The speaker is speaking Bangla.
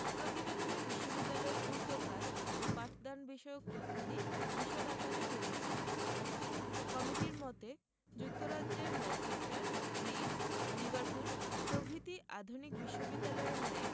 প্রতিবেদনে বিশ্ববিদ্যালয়ের পূর্তকাজ ও পাঠদানবিষয়ক তথ্যাদি বিশদ আকারে বর্ণিত হয় কমিটির মতে যুক্তরাজ্যের ম্যানচেস্টার লিডস লিভারপুল প্রভৃতি আধুনিক বিশ্ববিদ্যালয়ের ন্যায়